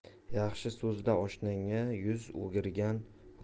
yaxshi so'zla oshnoga